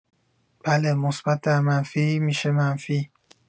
بله مثبت در منفی می‌شه منفی